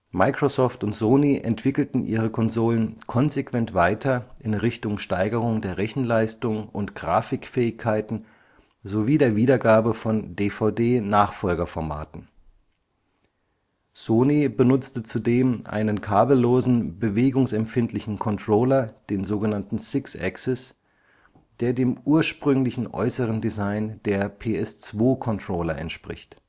Microsoft und Sony entwickelten ihre Konsolen konsequent weiter in Richtung Steigerung der Rechenleistung und Grafikfähigkeiten sowie der Wiedergabe von DVD-Nachfolgerformaten. Sony benutzte zudem einen kabellosen bewegungsempfindlichen Controller (Sixaxis), der dem ursprünglichen äußeren Design der PS2-Controller entspricht